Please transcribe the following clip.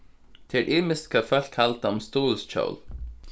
tað er ymiskt hvat fólk halda um stuðulshjól